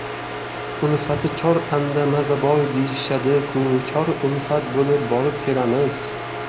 ulfati chor anda maza bor deyishadi ku chor ulfat bo'lib borib kelamiz